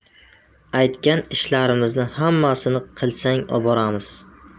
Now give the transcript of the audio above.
aytgan ishlarimizni hammasini qilsang oboramiz